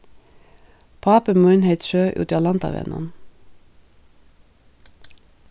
pápi mín hevði trøð úti á landavegnum